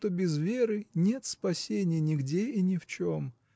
что без веры нет спасения нигде и ни в чем.